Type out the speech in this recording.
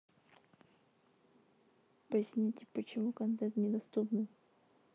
поясните почему контент недоступны